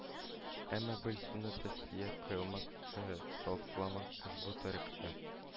Әмма бел, суны тәсфия кыйлмак вә сафламак ошбу тарикча